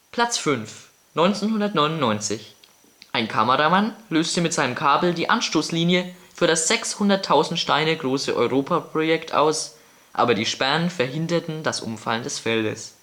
Platz 5: 1999: Ein Kameramann löste mit seinem Kabel die Anstosslinie für das 600.000 Steine große Europrojekt aus aber die Sperren verhinderten das Umfallen des Feldes